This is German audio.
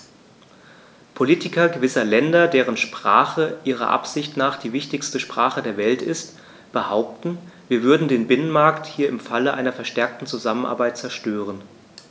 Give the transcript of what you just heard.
Politiker gewisser Länder, deren Sprache ihrer Ansicht nach die wichtigste Sprache der Welt ist, behaupten, wir würden den Binnenmarkt hier im Falle einer verstärkten Zusammenarbeit zerstören.